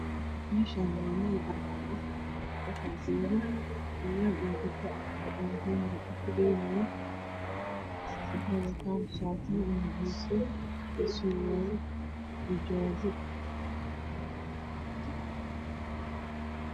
Meshani waa joogo wiilaal iyo gabdho ayaaa ku dhanraynayo ku dhelayo wexey wataan shatiyo iyo macawisyo iyo surwalo xajabo